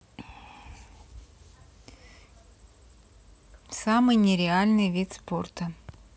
самый нереальный вид спорта